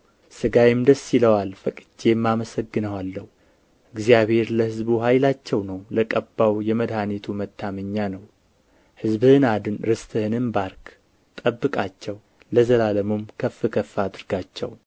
ሥጋዬም ደስ ይለዋል ፈቅጄም አመሰግነዋለሁ እግዚአብሔር ለሕዝቡ ኃይላቸው ነው ለቀባውም የመድኃኒቱ መታመኛ ነው ሕዝብህን አድን ርስትህንም ባርክ ጠብቃቸው ለዘላለሙም ከፍ ከፍ አድርጋቸው